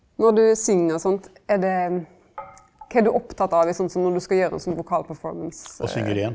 når du syng og sånt, er det kva er du oppteken av i sånn som når du skal gjere ein sånn vokalperformance ?